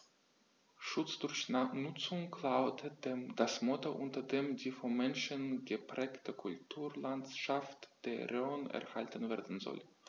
„Schutz durch Nutzung“ lautet das Motto, unter dem die vom Menschen geprägte Kulturlandschaft der Rhön erhalten werden soll.